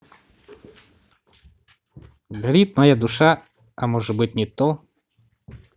горит моя душа а может быть не то